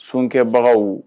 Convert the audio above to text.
Su kɛbagaw